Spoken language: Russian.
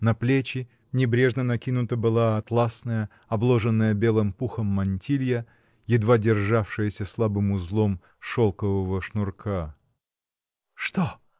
На плечи небрежно накинута была атласная, обложенная белым пухом мантилья, едва державшаяся слабым узлом шелкового снурка. — Что?